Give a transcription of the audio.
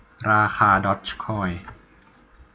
ราคาดอร์จคอย